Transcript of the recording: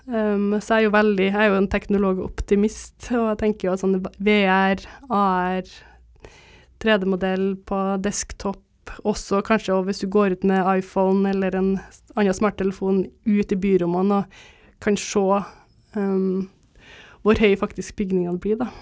så jeg er jo veldig jeg er jo en teknologoptimist og jeg tenker jo at sånn VR, AR, tre-D-modell på desktop også kanskje og hvis du går ut med iPhone eller en anna smarttelefon ut i byrommene og kan se hvor høy faktisk bygningene blir da.